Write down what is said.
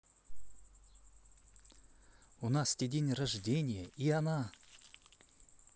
у насти день рождения и она